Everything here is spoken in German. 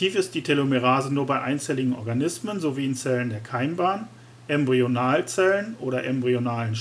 ist die Telomerase nur bei einzelligen Organismen sowie in Zellen der Keimbahn (siehe auch Keimzelle), Embryonalzellen (= embryonale Stammzellen